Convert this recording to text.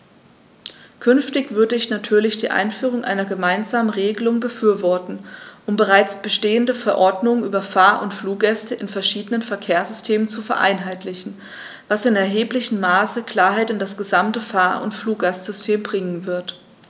Künftig würde ich natürlich die Einführung einer gemeinsamen Regelung befürworten, um bereits bestehende Verordnungen über Fahr- oder Fluggäste in verschiedenen Verkehrssystemen zu vereinheitlichen, was in erheblichem Maße Klarheit in das gesamte Fahr- oder Fluggastsystem bringen wird.